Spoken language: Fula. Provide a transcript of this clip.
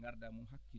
ngardaa e mum hakkille